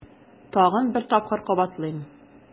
Тагын бер тапкыр кабатлыйм: